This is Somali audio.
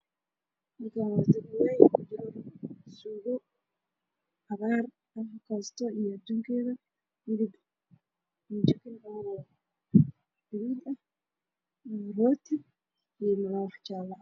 Waa saxan waxaa ku jira canjeero iyo hilib